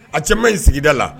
A cɛmaɲi sigida la